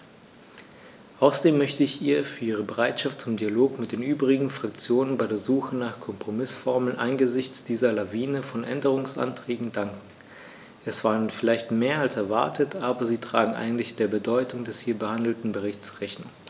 Außerdem möchte ich ihr für ihre Bereitschaft zum Dialog mit den übrigen Fraktionen bei der Suche nach Kompromißformeln angesichts dieser Lawine von Änderungsanträgen danken; es waren vielleicht mehr als erwartet, aber sie tragen eigentlich der Bedeutung des hier behandelten Berichts Rechnung.